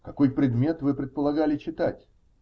-- Какой предмет вы предполагали читать?